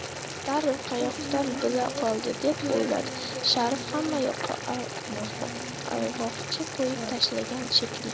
darrov qayoqdan bila qoldi deb o'yladi sharif hammayoqqa ayg'oqchi qo'yib tashlagan shekilli